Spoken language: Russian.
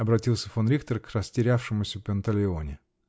-- обратился фон Рихтер к растерявшемуся Панталеоне.